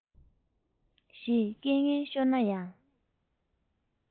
ཞེས སྐད ངན ཤོར ན ཡང